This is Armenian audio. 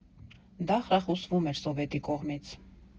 Դա խրախուսվում էր Սովետի կողմից.